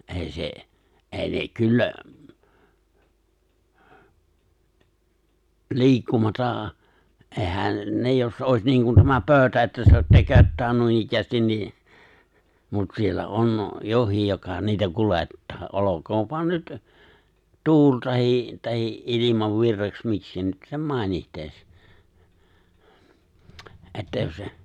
ei se ei ne kyllä liikkumatta eihän ne jos olisi niin kuin tämä pöytä että seistä tököttää noinikään niin mutta siellä on jokin joka niitä kuljettaa olkoon vain nyt tuulee tai tai ilmanvirraksi miksi nyt sen mainitsee että jos se